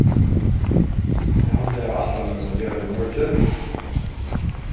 eg haldi at tey hava ætlanir um at gera tað í morgin